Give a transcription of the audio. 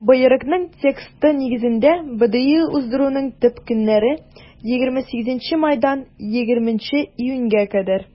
Боерыкның тексты нигезендә, БДИ уздыруның төп көннәре - 28 майдан 20 июньгә кадәр.